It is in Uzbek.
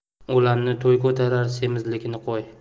o'lanni to'y ko'tarar semizlikni qo'y